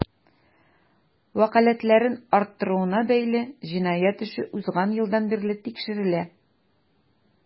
Вәкаләтләрен арттыруына бәйле җинаять эше узган елдан бирле тикшерелә.